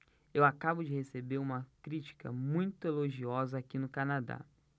eu acabo de receber uma crítica muito elogiosa aqui no canadá